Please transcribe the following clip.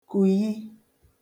kùyi